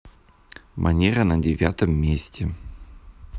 манера на девятом месте